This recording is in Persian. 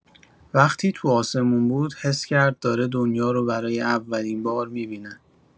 وقتی تو آسمون بود، حس کرد داره دنیا رو برای اولین بار می‌بینه.